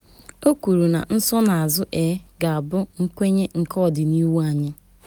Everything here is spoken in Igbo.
Ka nhọpụta ahụ gaa nke ọma ndị ga-apụta kwesịrị ịbụ pasentị 50 gbakwunye otu ntuli aka.